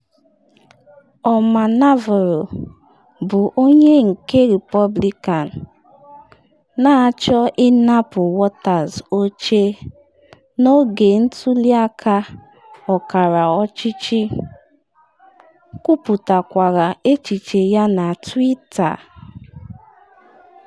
Omar Navarro, bụ onye nke Repọblikan na-achọ ịnapụ Waters oche n’oge ntuli aka ọkara ọchịchị, kwuputakwara echiche ya na Twitter.